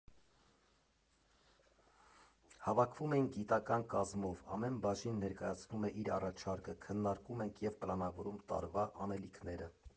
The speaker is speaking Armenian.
Հավաքվում ենք գիտական կազմով, ամեն բաժին ներկայացնում է իր առաջարկը, քննարկում ենք և պլանավորում տարվա անելիքները։